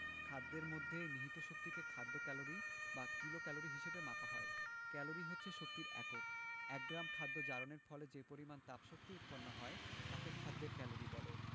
খাদ্যের মধ্যে নিহিত শক্তিকে খাদ্য ক্যালরি বা কিলোক্যালরি হিসেবে মাপা হয় ক্যালরি হচ্ছে শক্তির একক এক গ্রাম খাদ্য জারণের ফলে যে পরিমাণ তাপশক্তি উৎপন্ন হয় তাকে খাদ্যের ক্যালরি বলে